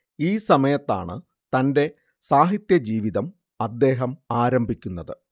ഈ സമയത്താണ് തന്റെ സാഹിത്യ ജീവിതം അദ്ദേഹം ആരംഭിക്കുന്നത്